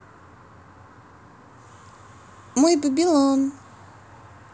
мой babylon